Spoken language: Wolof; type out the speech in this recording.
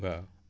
waaw